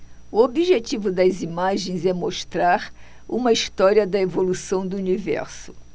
o objetivo das imagens é mostrar uma história da evolução do universo